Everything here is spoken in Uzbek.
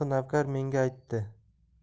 navkar menga aytdi